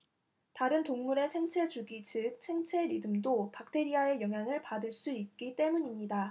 다른 동물의 생체 주기 즉 생체 리듬도 박테리아의 영향을 받을 수 있기 때문입니다